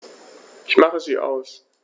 Ich mache sie aus.